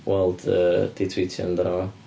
Weld yy 'di twîtio amdano fo.